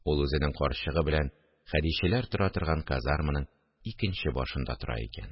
Ул үзенең карчыгы белән Хәдичәләр тора торган казарманың икенче башында тора икән